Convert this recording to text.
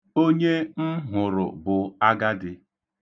Onye m hụrụ bụ agadị.